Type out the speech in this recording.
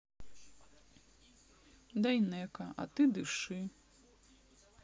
дайнеко а ты дыши